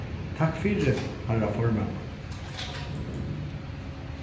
takk fyri harra formaður